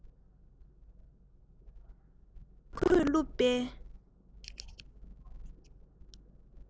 འབག གོས བཀླུབས པའི